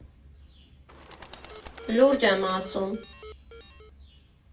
Լուրջ եմ ասում։